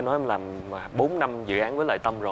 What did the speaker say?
nói em làm bốn năm dự án với lại tâm rồi